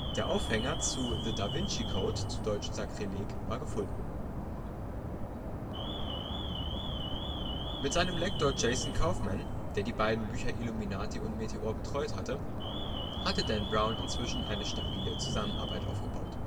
Der Aufhänger zu The Da Vinci Code (deutsch: Sakrileg) war gefunden. Mit seinem Lektor Jason Kaufman, der die beiden Bücher Illuminati und Meteor betreut hatte, hatte Brown inzwischen eine stabile Zusammenarbeit aufgebaut